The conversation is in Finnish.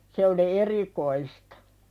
se oli erikoista